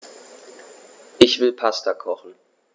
Ich will Pasta kochen.